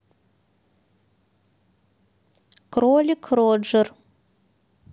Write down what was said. кролик роджер